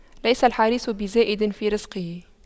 ليس الحريص بزائد في رزقه